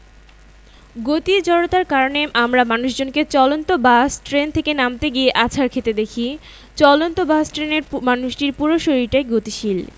বল প্রয়োগ না করলে স্থির বস্তু স্থির থাকবে এবং সমেবেগে চলতে থাকা বস্তু সমেবেগে চলতে থাকবে বুঝতেই পারছ বেগ যেহেতু ভেক্টর তাই সমবেগে চলতে হলে দিক পরিবর্তন করতে পারবে না সোজা সরল রেখায় সমান দ্রুতিতে যেতে হবে